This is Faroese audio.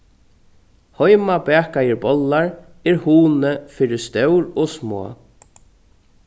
heimabakaðir bollar er hugni fyri stór og smá